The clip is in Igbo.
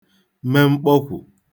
me mkpọkwù